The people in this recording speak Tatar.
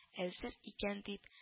Әзер икән дип